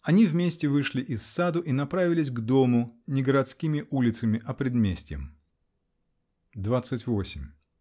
Они вместе вышли из саду и направились к дому, не городскими улицами, а предместьем. Двадцать восемь.